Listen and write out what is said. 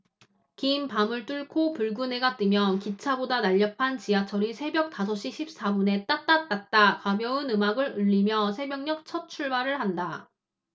긴 밤을 뚫고 붉은 해가 뜨면 기차보다 날렵한 지하철이 새벽 다섯시 십사분에 따따따따 가벼운 음악을 울리며 새벽녘 첫출발을 한다